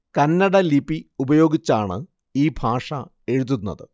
കന്നട ലിപി ഉപയോഗിച്ചാണ് ഈ ഭാഷ എഴുതുന്നത്